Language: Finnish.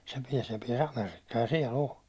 se pääsi se pääsi Amerikkaan ja siellä on